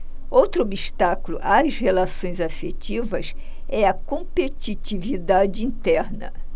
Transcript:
outro obstáculo às relações afetivas é a competitividade interna